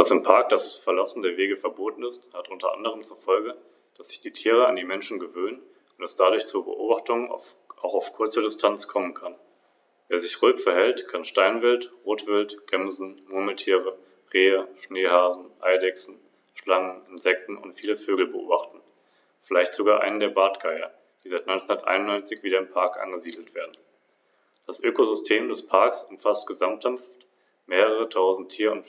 Das eigentliche Rückgrat der Verwaltung bildeten allerdings die Städte des Imperiums, die als halbautonome Bürgergemeinden